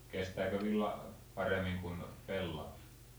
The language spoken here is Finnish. kestääkö villa paremmin kuin pellava